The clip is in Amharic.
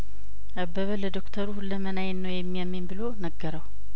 አበበ ለዶክተሩ ሁለመናዬን ነው የሚያመኝ ብሎ ነገረው